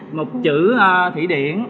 một chữ a thụy điển